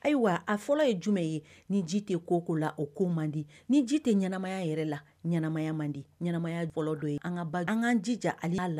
Ayiwa a fɔlɔ ye jumɛn ye ni ji tɛ koko la o ko mande ni ji tɛ ɲɛnaɛnɛmaya yɛrɛ la ɲmaya mande di ɲɛnaɛnɛmaya fɔlɔlɔ don ye an ka an ka jija ale la